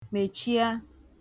mèchịa